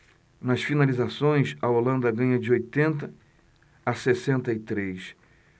nas finalizações a holanda ganha de oitenta a sessenta e três